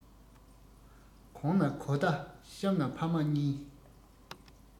གོང ན གོ བརྡ གཤམ ན ཕ མ གཉིས